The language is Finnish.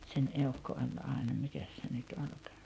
sen eukko oli aina mikäs se nyt olikaan